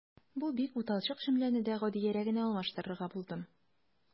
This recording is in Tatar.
Бу бик буталчык җөмләне дә гадиерәгенә алмаштырырга булдым.